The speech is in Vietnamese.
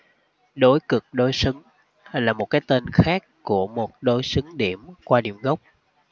đối cực đối xứng là một cái tên khác của một đối xứng điểm qua điểm gốc